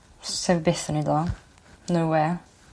S- sa fi byth yn neud o. No wê.